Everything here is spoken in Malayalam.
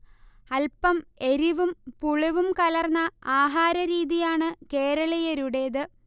അല്പം എരിവും പുളിവും കലർന്ന ആഹാരരീതിയാണ് കേരളീയരുടേത്